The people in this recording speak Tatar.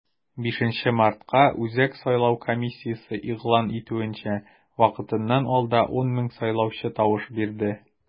5 мартка, үзәк сайлау комиссиясе игълан итүенчә, вакытыннан алда 10 мең сайлаучы тавыш бирде.